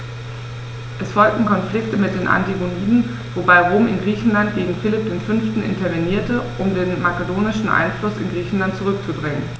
Es folgten Konflikte mit den Antigoniden, wobei Rom in Griechenland gegen Philipp V. intervenierte, um den makedonischen Einfluss in Griechenland zurückzudrängen.